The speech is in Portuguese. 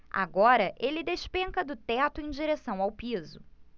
agora ele despenca do teto em direção ao piso